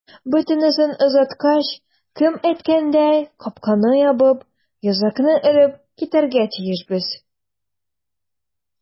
Бөтенесен озаткач, кем әйткәндәй, капканы ябып, йозакны элеп китәргә тиешбез.